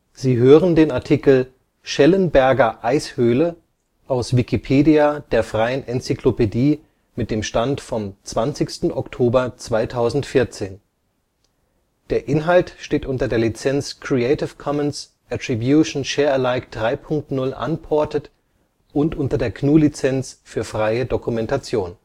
Sie hören den Artikel Schellenberger Eishöhle, aus Wikipedia, der freien Enzyklopädie. Mit dem Stand vom Der Inhalt steht unter der Lizenz Creative Commons Attribution Share Alike 3 Punkt 0 Unported und unter der GNU Lizenz für freie Dokumentation